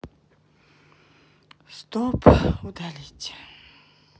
стоп удалить